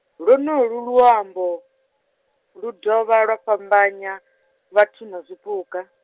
lwonolwu luambo, lu dovha lwa fhambanya, vhathuna zwipuka.